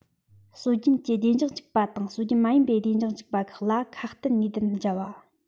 སྲོལ རྒྱུན གྱི བདེ འཇགས འཇིགས པ དང སྲོལ རྒྱུན མ ཡིན པའི བདེ འཇགས འཇིགས པ ཁག ལ ཁ གཏད ནུས ལྡན འཇལ བ